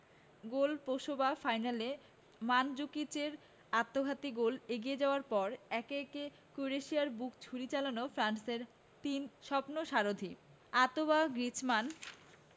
গোলপ্রসবা ফাইনালে মানজুকিচের আত্মঘাতী গোলে এগিয়ে যাওয়ার পর একে একে ক্রোয়েশিয়ার বুকে ছুরি চালান ফ্রান্সের তিন স্বপ্নসারথি আঁতোয়া গ্রিজমান